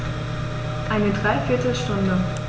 Eine dreiviertel Stunde